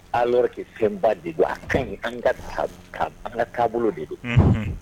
An yɛrɛke fɛnba de don a ka ɲi ka an ka taabolo de don